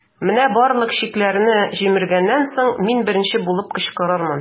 Менә барлык чикләрне җимергәннән соң, мин беренче булып кычкырырмын.